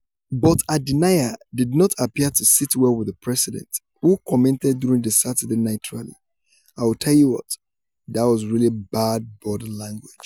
But her denial did not appear to sit well with the president, who commented during the Saturday night rally: "I'll tell you what, that was really bad body language.